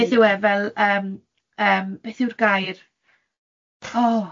...beth yw e fel yym yym beth yw'r gair?